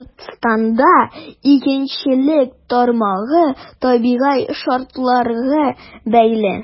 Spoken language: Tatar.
Башкортстанда игенчелек тармагы табигый шартларга бәйле.